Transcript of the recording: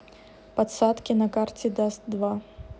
подсадки на карте даст два